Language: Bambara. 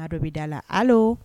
Maa dɔ be da la allo